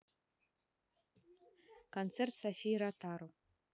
концерт софии ротару